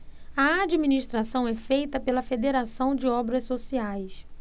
a administração é feita pela fos federação de obras sociais